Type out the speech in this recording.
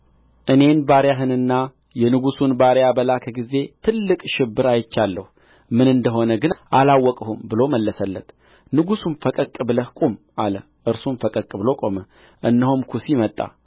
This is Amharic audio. እኔን ባሪያህንና የንጉሡን ባሪያ በላከ ጊዜ ትልቅ ሽብር አይቻለሁ ምን እንደሆነ ግን አላወቅሁም ብሎ መለሰለት ንጉሡም ፈቀቅ ብለህ ቁም አለ እርሱም ፈቀቅ ብሎ ቆመ እነሆም ኵሲ መጣ